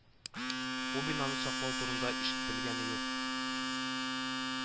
Бу бинаны саклау турында ишетелгәне юк